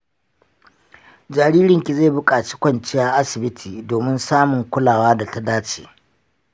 jaririnki zai buƙaci kwanciya asibiti domin samun kulawa da ta dace